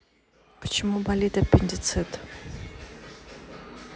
почему болит аппендицит